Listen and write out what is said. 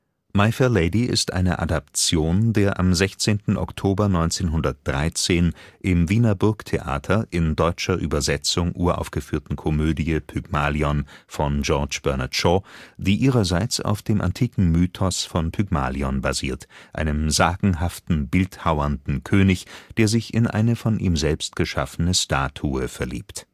My Fair Lady ist eine Adaption der am 16. Oktober 1913 im Wiener Burgtheater (in deutscher Übersetzung) uraufgeführten Komödie Pygmalion von George Bernard Shaw, die ihrerseits auf dem antiken Mythos von Pygmalion basiert, einem sagenhaften, bildhauernden König, der sich in eine von ihm selbst geschaffene Statue verliebte